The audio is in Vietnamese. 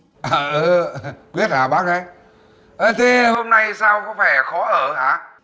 à ự quyết à bác đây ấy thế sao hôm nay sao có vẻ khó ở hả